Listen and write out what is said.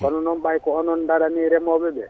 kono noon kay ɓayde ko onoon daarani remoɓeɓe